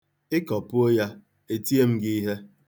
Ị kọpuo ya, eti m gi ihe.